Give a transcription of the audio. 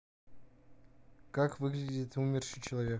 как выглядит умерший человек